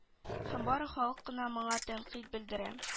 Һәм бары халык кына моңа тәнкыйть белдерә